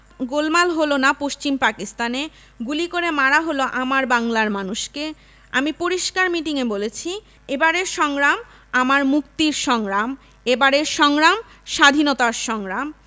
গোলমাল হল না পশ্চিম পাকিস্তানে গুলি করে মারা হল আমার বাংলার মানুষকে আমি পরিষ্কার মিটিং এ বলেছি এবারের সংগ্রাম আমার মুক্তির সংগ্রাম এবারের সংগ্রাম স্বাধীনতার সংগ্রাম